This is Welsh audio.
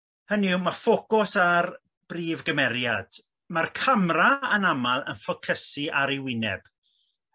Hynny yw ma'r ffocws a'r brif gymeriad ma'r camra yn amal yn ffocysu ar ei wyneb